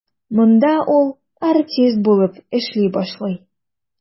Монда ул артист булып эшли башлый.